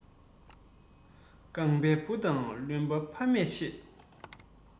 སྐམ པ བུ དང རློན པ ཕ མས བྱེད